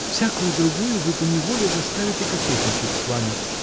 — Всякую другую вы поневоле заставите кокетничать с вами.